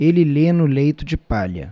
ele lê no leito de palha